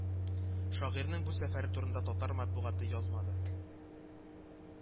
Шагыйрьнең бу сәфәре турында татар матбугаты язмады